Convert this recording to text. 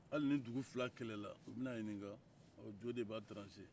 hali nin dugu fila kɛlɛla u bɛ n'a ɲininka jo de b'a taranse